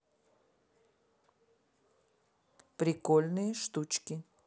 прикольные штучки